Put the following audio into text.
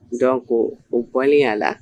Donc